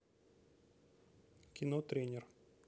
кино тренер